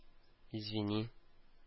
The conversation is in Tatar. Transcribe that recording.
Извини